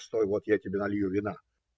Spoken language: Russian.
Постой, вот я тебе налью вина.